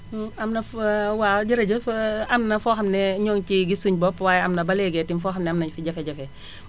am na fa waaw jërëjëf am na foo xam ne ñoo ngi ciy gis suñu bopp waaye am na ba léegi itam foo xam ne am nañu si jafe-jafe